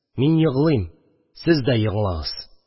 Мин егълыйм, сез дә еглаңыз